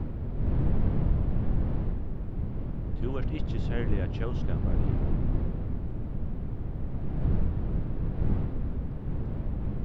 tú ert ikki serliga tjóðskaparligur